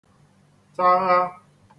chaghā